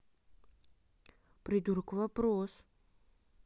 придурок вопрос